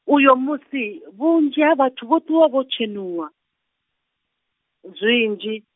uyo musi, vhunzhi ha vhathu vho ṱuwa vho tshenuwa, zwinzhi.